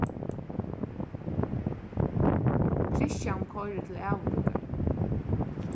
kristian koyrir til æðuvíkar